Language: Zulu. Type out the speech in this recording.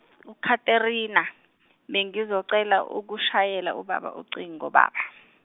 u- Catherina, bengizocela ukushayela ubaba ucingo baba.